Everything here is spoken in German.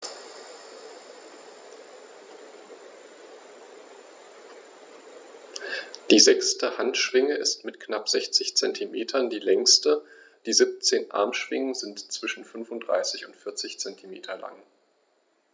Die sechste Handschwinge ist mit knapp 60 cm die längste. Die 17 Armschwingen sind zwischen 35 und 40 cm lang.